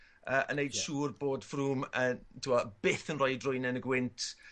yy yn neud siŵr bod Froome yy t'wo' byth yn rhoi 'i drwyn yn y gwynt